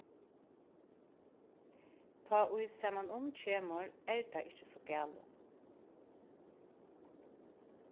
tá ið samanum kemur er tað ikki so galið